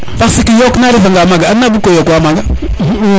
parce que yooq na refa nga maga